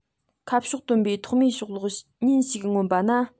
ཁ ཕྱོགས སྟོན པའི ཐོག མའི ཕྱོགས ལྷུང ཉིན ཞིག མངོན པ ན